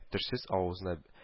Тешсез авызны